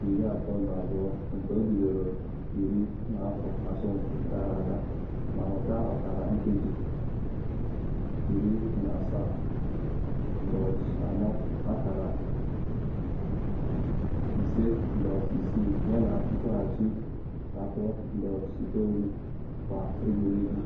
32 nke o bidoro 10 n’afọ asọmpi gara aga ma nweta ọkara nkeji 17.4, akara 5.6 yana nkụghachi 2.9 kwa egwuregwu.